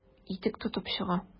Итек тотып чыга.